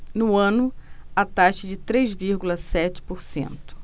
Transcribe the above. no ano a taxa é de três vírgula sete por cento